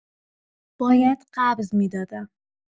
باید قبض می‌دادم.